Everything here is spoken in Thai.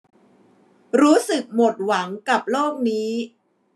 รู้สึกหมดหวังกับโลกนี้